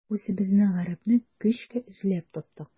Үзебезнең гарәпне көчкә эзләп таптык.